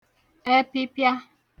ẹpipia